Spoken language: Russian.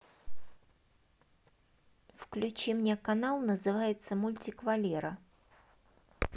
включи мне канал называется мультик валера